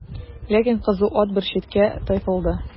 Ләкин кызу ат бер читкә тайпылды.